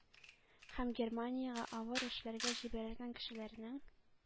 Һәм германиягә авыр эшләргә җибәрелгән кешеләрнең